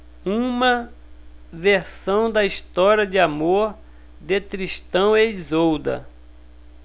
uma versão da história de amor de tristão e isolda